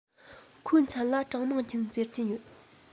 ཁོའི མཚན ལ ཀྲང མིང ཅུན ཟེར གྱི ཡོད